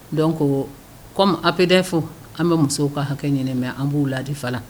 Donc comme APDF an bɛ musow ka hakɛ ɲini mais an b'u laadi fana.